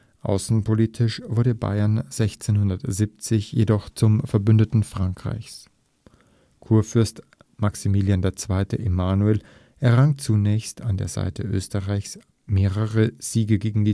Außenpolitisch wurde Bayern 1670 dennoch zum Verbündeten Frankreichs. Kurfürst Maximilian II. Emanuel errang zunächst an der Seite Österreichs mehrere Siege gegen